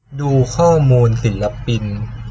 ดูข้อมูลศิลปิน